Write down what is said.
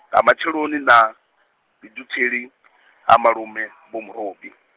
nga matsheloni na, mudutheli, ha malume , Vho Murobi.